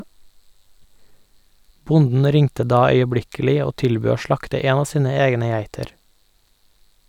Bonden ringte da øyeblikkelig og tilbød å slakte en av sine egne geiter.